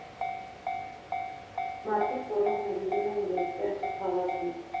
Մարդիկ, որոնք նվիրել են իրենց կյանքը քաղաքին։